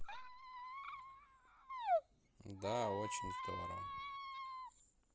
да очень здорово